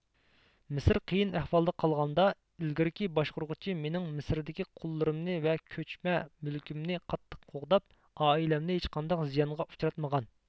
مىسىر قىيىن ئەھۋالدا قالغاندا ئىلگىرىكى باشقۇرغۇچى مېنىڭ مىسىردىكى قۇللىرىمنى ۋە كۆچمە مۈلكىمنى قاتتىق قوغداپ ئائىلەمنى ھېچقانداق زىيانغا ئۇچراتمىغان